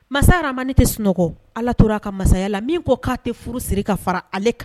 Masa Rahamani tɛ sunɔgɔ, Ala tora a ka masaya la, min ko k'a tɛ furu siri ka fara ale kan